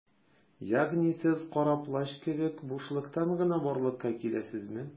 Ягъни сез Кара Плащ кебек - бушлыктан гына барлыкка киләсезме?